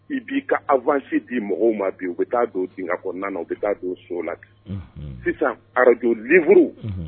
I b'i ka avance di mɔgɔw ma bi u bɛ taa don dingɛ kɔnɔna na u bɛ taa don so la ,unhun, sisan arajo libre